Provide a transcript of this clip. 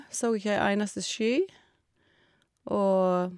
Så ikke en eneste sky, og...